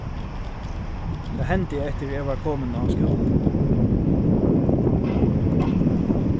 tað hendi eftir at eg var komin á skúlan